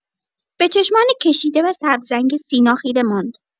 به چشمان کشیده و سبزرنگ سینا خیره ماند.